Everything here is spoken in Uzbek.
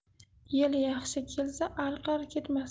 yil yaxshi kelsa arqar ketmas